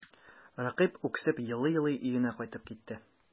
Рәкыйп үксеп елый-елый өенә кайтып китте.